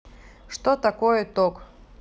что такое ток